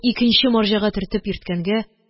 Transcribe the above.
Икенче марҗага төртеп йөрткәнгә